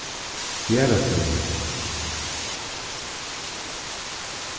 fjarðastevna